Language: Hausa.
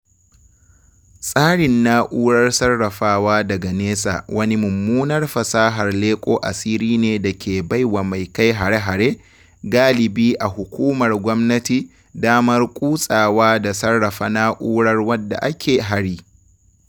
Tsarin Na’urar Sarrafawa daga Nesan wani mummunar fasahar leƙo asiri ne da ke bai wa mai kai hare-hare, galibi a hukumar gwamnati, damar kutsawa da sarrafa na’urar wanda ake hari.